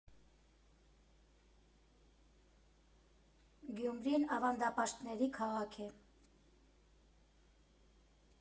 Գյումրին ավանդապաշտների քաղաք է։